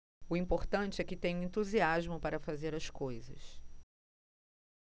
o importante é que tenho entusiasmo para fazer as coisas